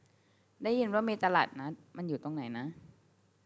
ได้ยินว่ามีตลาดนัดมันอยู่ตรงไหนนะ